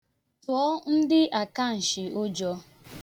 Tụọ ndị akanshị ụjọ.